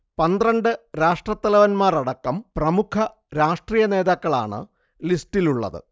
പന്ത്രണ്ട് രാഷ്ട്രത്തലവന്മാർ അടക്കം പ്രമുഖ രാഷ്ട്രീയ നേതാക്കളാണ് ലിസ്റ്റിലുള്ളത്